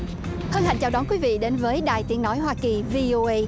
hân hạnh chào đón quý vị đến với đài tiếng nói hoa kỳ vi ô ây